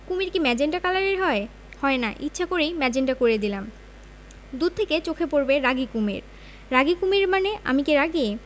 কুমীর কি মেজেন্টা কালারের হয় হয় না ইচ্ছা করেই মেজেন্টা করে দিলাম দূর থেকে চোখে পড়বে রাগী কুমীর রাগী কুমীর শানে আমি কি রাগী